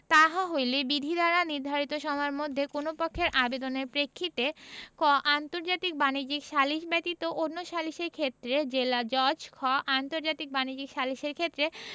তাহা হইলে বিধি দ্বারা নির্ধারিত সময়ের মধ্যে কোন পক্ষের আবেদনের প্রেক্ষিতে ক আন্তর্জাতিক বাণিজ্যিক সালিস ব্যতীত অন্যান্য সালিসের ক্ষেত্রে জেলাজজ খ আন্তর্জাতিক বাণিজ্যিক সালিসের ক্ষেত্রে